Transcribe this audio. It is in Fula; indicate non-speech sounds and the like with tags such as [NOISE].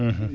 [HESITATION] [HESITATION]